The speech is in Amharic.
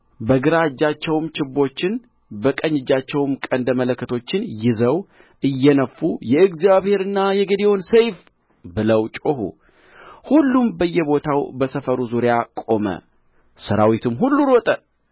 ሦስቱም ወገኖች ቀንደ መለከቶችን ነፉ ማሰሮችንም ሰበሩ በግራ እጃቸውም ችቦችን በቀኝ እጃቸውም ቀንደ መለከቶችን ይዘው እየነፉ የእግዚአብሔርና የጌዴዎን ሰይፍ ብለው ጮኹ